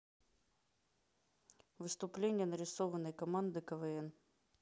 выступление нарисованной команды квн